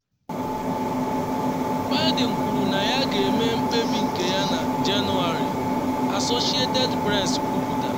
Biden kwuru na ya ga-eme mkpebi nke ya na Jenuarị, Associated Press kwuputara.